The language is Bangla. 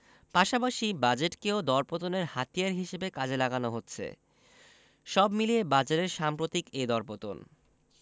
পাশাপাশি বাজেটকেও দরপতনের হাতিয়ার হিসেবে কাজে লাগানো হচ্ছে সব মিলিয়ে বাজারের সাম্প্রতিক এ দরপতন